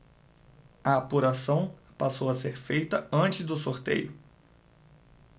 a apuração passou a ser feita antes do sorteio